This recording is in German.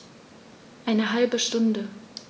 Eine halbe Stunde